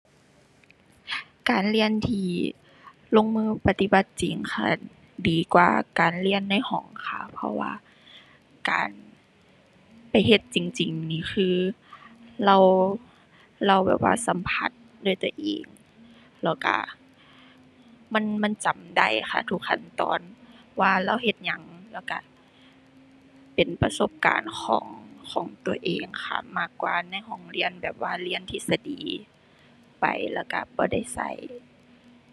การเรียนที่ลงมือปฏิบัติจริงค่ะ ดีกว่าการเรียนในห้องค่ะ เพราะว่าการไปเฮ็ดจริงจริงนี่คือเรา เราแบบว่าสัมผัสด้วยตัวเอง แล้วก็มัน มันจำได้ค่ะ ทุกขั้นตอนว่าเราเฮ็ดหยังแล้วก็เป็นประสบการณ์ของ ของตัวเองค่ะ มากกว่าในห้องเรียนแบบว่าเรียนทฤษฎีไปแล้วก็บ่ได้ก็